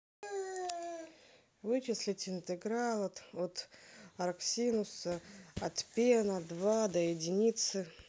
вычислить интеграл от арксинуса отпена два до единицы